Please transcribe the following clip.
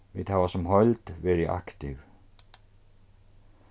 vit hava sum heild verið aktiv